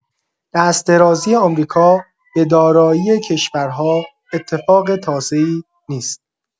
دست‌درازی آمریکا به دارایی کشورها اتفاق تازه‌ای نیست.